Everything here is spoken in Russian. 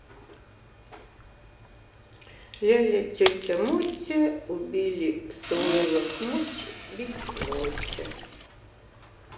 ляля тетя мотя убили свой лохмотья бегимота